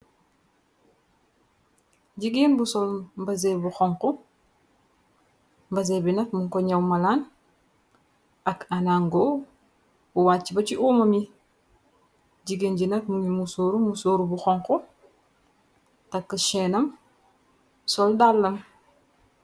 Jigeen bu sol mbasen bu xonku mbasen bi nak munko nyow malaan ak anango bu wàcc ba ci uuma mi jigéen ji nag mungi mu sooru mu sóoru bu xonku takk cheenam sol dàllam.